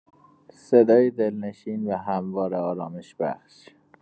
صدای دلنشین و همواره آرامش‌بخش